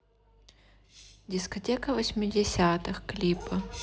дискотека восьмидесятых клипы